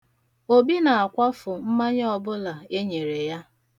Obi na-akwafu mmanya ọbụla enyere ya.